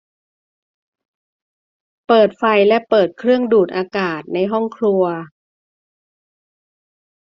เปิดไฟและเปิดเครื่องดูดอากาศในห้องครัว